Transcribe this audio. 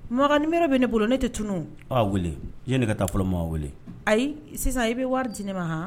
Makangan nib bɛ ne bolo ne tɛ tunun wele jɔn ne ka taa fɔlɔ ma wele ayi sisan i bɛ wari di ne ma h